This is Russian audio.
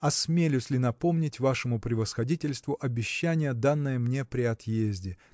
Осмелюсь ли напомнить вашему превосходительству обещание данное мне при отъезде